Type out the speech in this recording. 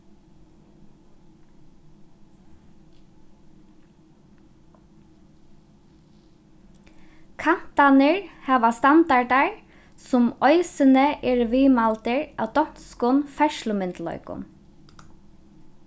kantarnir hava standardar sum eisini eru viðmældir av donskum ferðslumyndugleikum